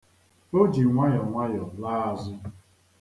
O ji nwayọnwayọ laa azụ.